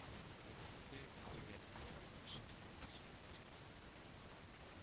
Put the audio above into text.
Элекке губернатор эшеннән читләштерелгән.